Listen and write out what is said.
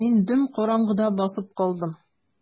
Мин дөм караңгыда басып калдым.